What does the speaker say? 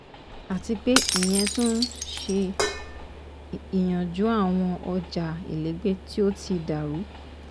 Àtipé ìyẹn túms sí yíyanjú àwọn ọjà ilégèé tó ti dárú.